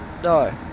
rồi